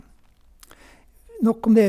Nok om det.